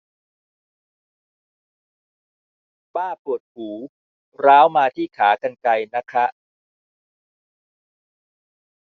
ป้าปวดหูร้าวมาที่ขากรรไกรนะคะ